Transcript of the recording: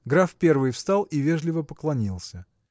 Граф первый встал и вежливо поклонился.